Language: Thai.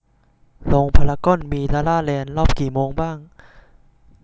โรงพารากอนมีลาลาแลนด์รอบกี่โมงบ้าง